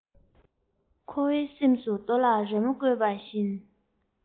ཁོ བོའི སེམས སུ རྡོ ལ རི མོ བརྐོས པ བཞིན